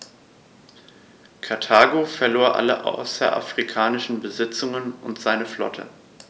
Karthago verlor alle außerafrikanischen Besitzungen und seine Flotte.